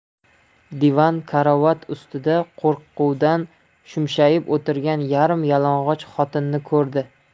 divan karavot ustida qo'rquvdan shumshayib o'tirgan yarim yalang'och xotinni ko'rdi